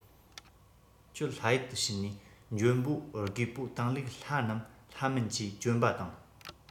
ཁྱོད ལྷ ཡུལ དུ ཕྱིན ནས འཇོན པོ རྒོས པོ བཏང ལུགས ལྷ རྣམས ལྷ མིན གྱིས བཅོམ པ དང